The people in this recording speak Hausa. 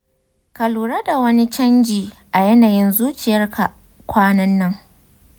ka lura da wani canji a yanayin zuciyarka kwanan nan?